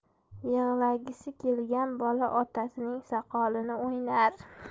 yig'lagisi kelgan bola otasining soqolini o'ynar